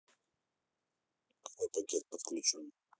какой пакет подключен